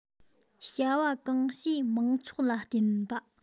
བྱ བ གང བྱེད མང ཚོགས ལ བརྟེན པ